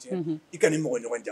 I ka nin mɔgɔ ɲɔgɔn jan